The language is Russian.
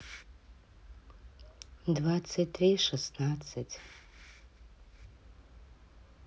двадцать три шестнадцать